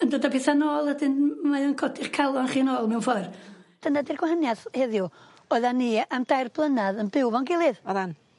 yn dod â petha nôl wedyn mae o'n codi'ch calon chi nôl mewn ffor dyna 'di'r gwahaniaeth heddiw oeddan ni am dair blynadd yn byw 'fo'n gilydd. Oddan.